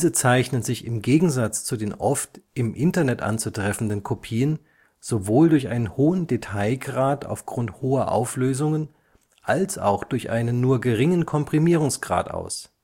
zeichnen sich im Gegensatz zu den oft im Internet anzutreffenden Kopien sowohl durch einen hohen Detailgrad aufgrund hoher Auflösungen als auch durch einen nur geringen Komprimierungsgrad aus